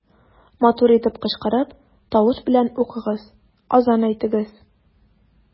Матур итеп кычкырып, тавыш белән укыгыз, азан әйтегез.